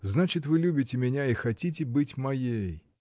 значит, вы любите меня и хотите быть моей.